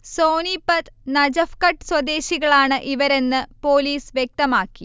സോനിപത്ത്, നജഫ്ഘട്ട് സ്വദേശികളാണ് ഇവരെന്ന് പോലീസ് വ്യക്തമാക്കി